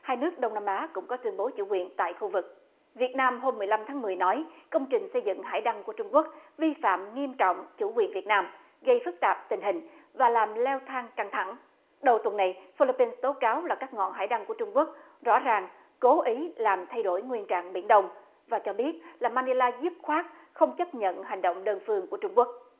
hai nước đông nam á cũng có tuyên bố chủ quyền tại khu vực việt nam hôm mười lăm tháng mười nói công trình xây dựng hải đăng của trung quốc vi phạm nghiêm trọng chủ quyền việt nam gây phức tạp tình hình và làm leo thang căng thẳng đầu tuần này phi líp pin tố cáo là các ngọn hải đăng của trung quốc rõ ràng cố ý làm thay đổi nguyên trạng biển đông và cho biết là man đê la dứt khoát không chấp nhận hành động đơn phương của trung quốc